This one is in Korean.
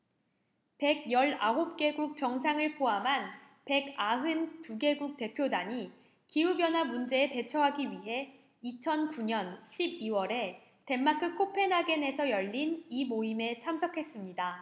백 열 아홉 개국 정상을 포함한 백 아흔 두 개국 대표단이 기후 변화 문제에 대처하기 위해 이천 구 년 십 이 월에 덴마크 코펜하겐에서 열린 이 모임에 참석했습니다